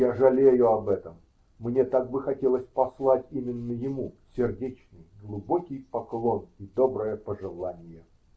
Я жалею об этом -- мне так бы хотелось послать именно ему сердечный, глубокий поклон и доброе пожелание.